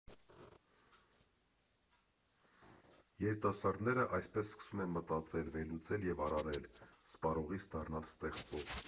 Երիտասարդները այսպես սկսում են մտածել, վերլուծել և արարել՝ սպառողից դառնալ ստեղծող։